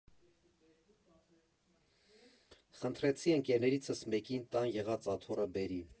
Խնդրեցի ընկերներիցս մեկին տան եղած աթոռը բերի։